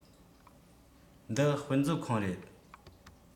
འདི དཔེ མཛོད ཁང རེད